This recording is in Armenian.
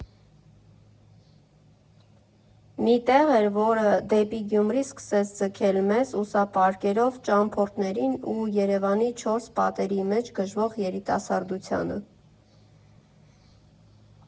Մի տեղ էր, որը դեպի Գյումրի սկսեց ձգել մեծ ուսապարկերով ճամփորդներին ու Երևանի չորս պատերի մեջ գժվող երիտասարդությանը։